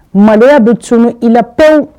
Maliya don sun i la pewu